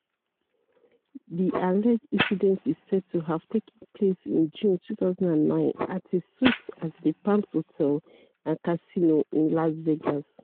The alleged incident is said to have taken place in June 2009 at a suite at the Palms Hotel and Casino in Las Vegas.